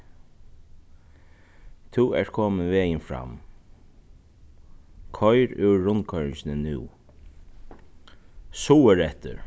tú ert komin vegin fram koyr úr rundkoyringini nú suðureftir